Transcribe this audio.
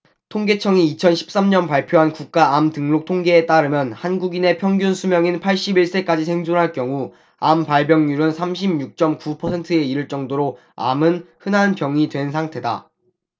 통계청이 이천 십 삼 년 발표한 국가암등록통계에 따르면 한국인의 평균수명인 팔십 일 세까지 생존할 경우 암발병률은 삼십 육 쩜 구 퍼센트에 이를 정도로 암은 흔한 병이 된 상태다